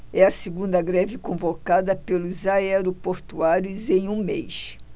é a segunda greve convocada pelos aeroportuários em um mês